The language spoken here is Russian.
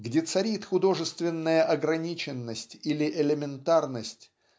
где царит художественная ограниченность или элементарность